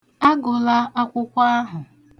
Agụla akwụkwọ ahụ.